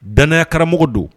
Danya karamɔgɔ don